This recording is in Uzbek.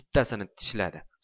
bittasini tishladi